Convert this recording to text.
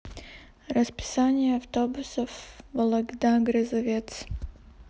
расписание автобусов вологда грязовец